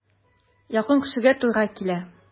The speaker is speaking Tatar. Якын кешегә туйга килә.